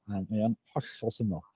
A mae o'n hollol syml.